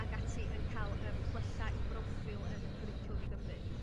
ag ati yn ca'l yym gwella i broffil yn y Cwricwlwm i Gymru.